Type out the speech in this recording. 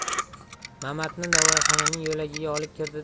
mamatni novvoyxonaning yo'lagiga olib kirdida